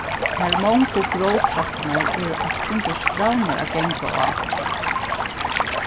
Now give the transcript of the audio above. tær mongu gróttrappurnar eru eitt sindur strævnar at ganga á